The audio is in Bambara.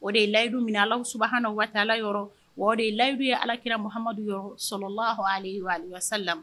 O de ye layidu mina ala suuna waatila yɔrɔ o de ye layiduye alakira mumadu sɔrɔlahsala